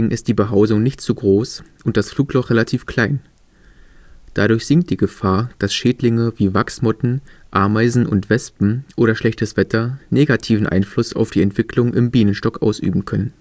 ist die Behausung nicht zu groß und das Flugloch relativ klein. Dadurch sinkt die Gefahr, dass Schädlinge wie Wachsmotten, Ameisen und Wespen oder schlechtes Wetter negativen Einfluss auf die Entwicklung im Bienenstock ausüben können